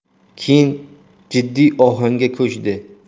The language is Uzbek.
keyin jiddiy ohangga ko'chdi